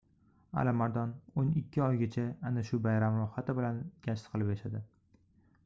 alimard o'n ikki oygacha ana shu bayram rohati bilan gasht qilib yashadi